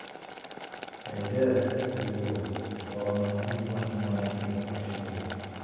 Әйдә,— диде ул, баланы үз артыннан ияртмөкче булып.